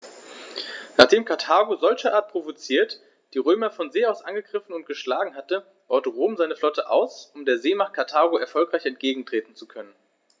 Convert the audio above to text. Nachdem Karthago, solcherart provoziert, die Römer von See aus angegriffen und geschlagen hatte, baute Rom seine Flotte aus, um der Seemacht Karthago erfolgreich entgegentreten zu können.